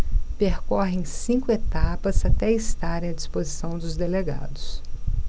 percorrem cinco etapas até estarem à disposição dos delegados